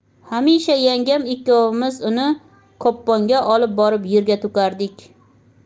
hamisha yangam ikkovimiz uni kopponga olib borib yerga to'kardik